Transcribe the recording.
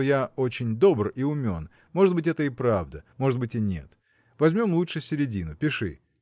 что я очень добр и умен – может быть это и правда может быть и нет возьмем лучше середину, пиши